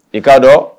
I ka dɔn